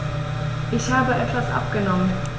Ich habe etwas abgenommen.